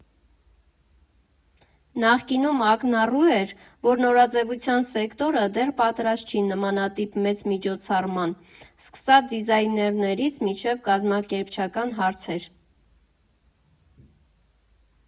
Նախկինում ակնառու էր, որ նորաձևության սեկտորը դեռ պատրաստ չի նմանատիպ մեծ միջոցառմաան՝ սկսած դիզայներներից մինչև կազմակերպչական հարցեր։